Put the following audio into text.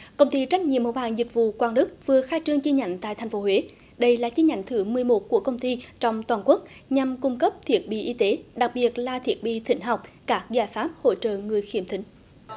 công ty trách nhiệm hữu hạn dịch vụ quảng đức vừa khai trương chi nhánh tại thành phố huế đây là chi nhánh thứ mười một của công ty trong toàn quốc nhằm cung cấp thiết bị y tế đặc biệt là thiết bị thính học các giải pháp hỗ trợ người khiếm thính